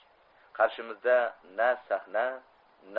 qarshimizda na sahna